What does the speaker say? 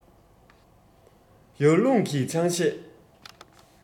ཡར ཀླུང གིས ཆང གཞས